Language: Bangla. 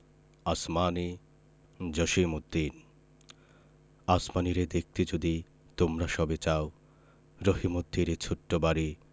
আসমানী জসিমউদ্দিন আসমানীরে দেখতে যদি তোমরা সবে চাও রহিমদ্দির ছোট্ট বাড়ি